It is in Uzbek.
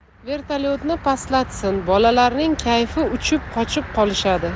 vertolyotni pastlatsin bolalarning kayfi uchib qochib qolishadi